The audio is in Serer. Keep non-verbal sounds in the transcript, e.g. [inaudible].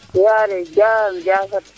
nu yaare jam [unintelligible]